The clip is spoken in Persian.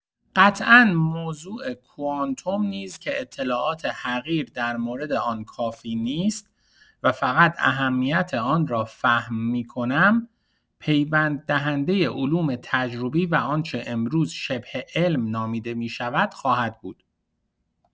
قطعا موضوع کوانتوم نیز که اطلاعات حقیر در مورد آن کافی نیست و فقط اهمیت آن را فهم می‌کنم، پیوند دهنده علوم تجربی و آنچه امروز شبه‌علم نامیده می‌شود خواهد بود.